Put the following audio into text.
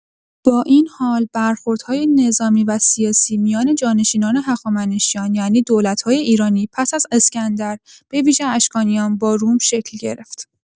با این حال، برخوردهای نظامی و سیاسی میان جانشینان هخامنشیان یعنی دولت‌های ایرانی پس از اسکندر، به‌ویژه اشکانیان، با روم شکل گرفت.